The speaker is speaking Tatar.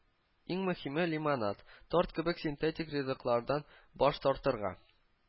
“иң мөһиме - лимонад, торт кебек синтетик ризыклардан баш тартырга